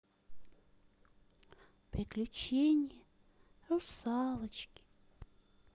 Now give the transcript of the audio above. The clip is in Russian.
приключения русалочки